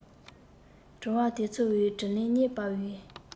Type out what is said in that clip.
དྲི བ དེ ཚོའི དྲིས ལན རྙེད པའི